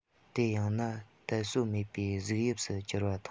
དེ ཡང ན གཏད སོ མེད པའི གཟུགས དབྱིབས སུ འགྱུར པ དང